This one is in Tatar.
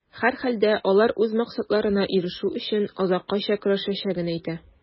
Һәрхәлдә, алар үз максатларына ирешү өчен, азаккача көрәшәчәген әйтә.